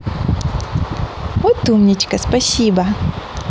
вот умничка спасибо